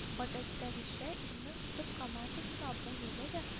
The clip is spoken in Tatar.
Гадәттәгечә, илнең төп командасына бу юлы да